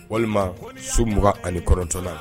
Walima so 29 nan